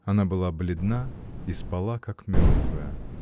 Она была бледна и спала как мертвая.